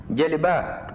jeliba